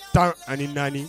Tan ani naani